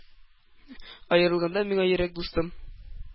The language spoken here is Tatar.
Аерылганда миңа йөрәк дустым